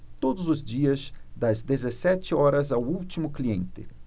todos os dias das dezessete horas ao último cliente